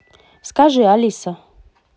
скажи алиса